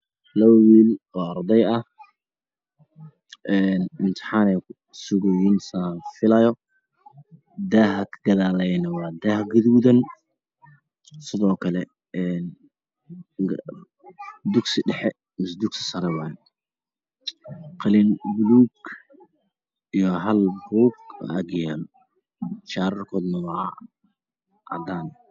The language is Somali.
Labo wilo oo arday ah een imtaxan bay sugayan safilayo Daha kagududeyo waa dah gududan sidokalo dugsi dhex mise dugsi sare Qalin bulug iyo hal bug baa agyalo Shararkodu wa cadan